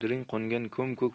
shudring qo'ngan ko'm